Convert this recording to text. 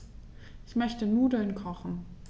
Ich möchte Nudeln kochen.